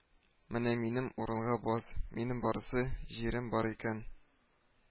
Менә минем урынга бас, минем барысы җирем бар икән